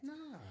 Na.